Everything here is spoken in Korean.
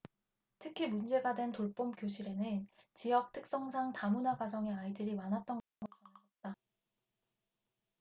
특히 문제가 된 돌봄교실에는 지역 특성상 다문화 가정의 아이들이 많았던 것으로 전해졌다